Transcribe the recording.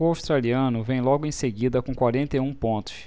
o australiano vem logo em seguida com quarenta e um pontos